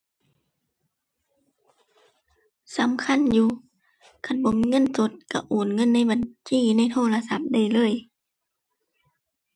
สำคัญอยู่ คันบ่มีเงินสดก็โอนเงินในบัญชีในโทรศัพท์ได้เลย